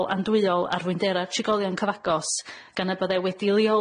andwyol ar frwyndera'r trigolion cyfagos gan y bydde wedi leoli